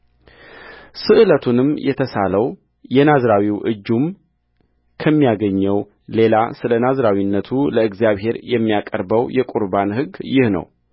ስእለቱን የተሳለው የናዝራዊ እጁም ከሚያገኘው ሌላ ስለ ናዝራዊነቱ ለእግዚአብሔር የሚያቀርበው የቍርባኑ ሕግ ይህ ነው